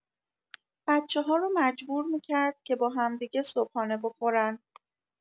بچه‌ها رو مجبور می‌کرد که با همدیگه صبحانه بخورن.